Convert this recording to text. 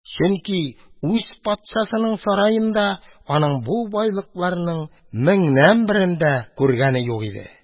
Чөнки үз патшасының сараенда аның бу байлыкларның меңнән берен дә күргәне юк иде.